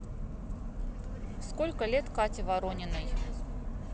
сколько лет кате ворониной